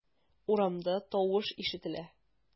Урамда тавыш ишетелә.